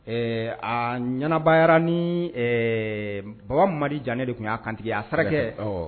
Ee a ɲanabayara ni baba madi jan ne de tun y'a kantigɛ y'a saraka